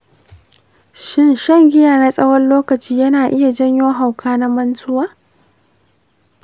shin shan giya na tsawon lokaci yana iya janyo hauka na mantuwa?